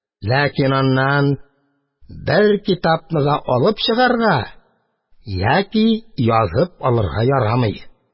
Ләкин аннан бер китапны да алып чыгарга яки язып алырга ярамый.